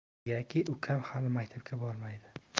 negaki ukam hali maktabga bormaydi